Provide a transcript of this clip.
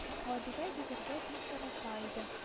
Гадилә йөзәргә бик ярата иде